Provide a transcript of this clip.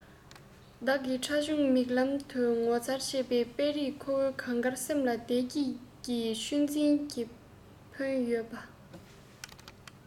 བདག གི ཁྲ ཆུང མིག ལམ དུ ངོ མཚར གྱི དཔེ རིས ཁོ བོའི གངས དཀར སེམས ལ བདེ སྐྱིད ཀྱི ཆུ འཛིན གྱི ཕོན པོ ཡ